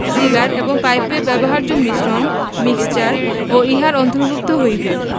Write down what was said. cigar এবং পাইপে ব্যবহার্য মিশ্রণ মিক্সার ও ইহার অন্তর্ভুক্ত হইবে